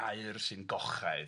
Aur sy'n gochaidd.